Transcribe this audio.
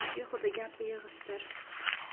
behuda gapni yig'ishtir